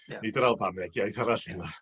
Ia. Nid yr Albaneg iaith arall 'di wnna.